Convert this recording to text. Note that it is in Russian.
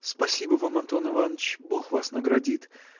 – Спасибо вам, Антон Иваныч: бог вас наградит!